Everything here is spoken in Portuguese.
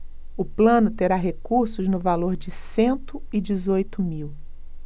o plano terá recursos no valor de cento e dezoito mil